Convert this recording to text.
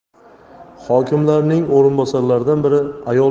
hokimlarining o'rinbosarlaridan biri ayol